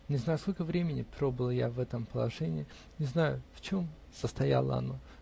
Не знаю, сколько времени пробыл я в этом положении, не знаю, в чем состояло оно